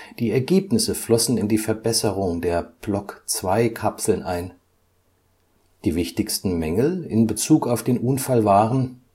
Die Ergebnisse flossen in die Verbesserung der Block-II-Kapseln ein. Die wichtigsten Mängel in Bezug auf den Unfall waren